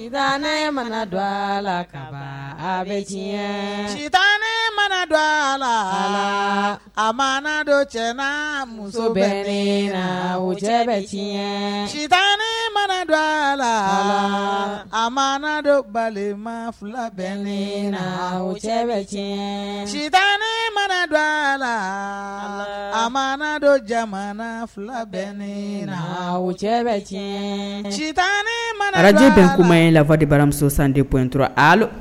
Ne mana dɔ a la bɛ sita ne mana dɔ a la a mana dɔ cɛ muso bɛ ne wo cɛ bɛ sita mana dɔ a la a ma dɔ balima fila bɛ ne wo cɛ bɛ cɛta mana dɔ a la a ma dɔ jamana fila bɛ ne wo cɛ bɛ cɛ manaji bɛ kuma in ladi baramuso san de p dɔrɔn a